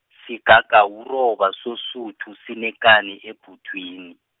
sigagawuroba, sosuthu, sinekani ebhudwini.